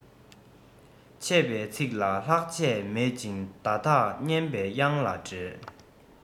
འཆད པའི ཚིག ལ ལྷག ཆད མེད ཅིང བརྡ དག སྙན པའི དབྱངས ལ འདྲེས